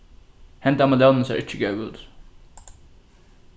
henda melónin sær ikki góð út